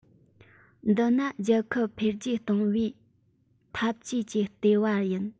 འདི ནི རྒྱལ ཁབ འཕེལ རྒྱས གཏོང བའི འཐབ ཇུས ཀྱི ལྟེ བ ཡིན